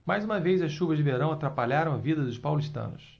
mais uma vez as chuvas de verão atrapalharam a vida dos paulistanos